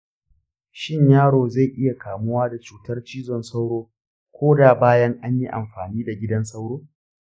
shin yaro zai iya kamuwa da cutar cizon sauro koda bayan an yi amfani da gidan sauro?